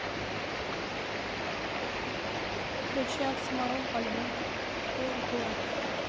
включи оксимирон альбом горгород